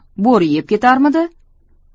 bo'ri yeb ketarmidi